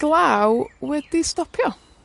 glaw wedi stopio.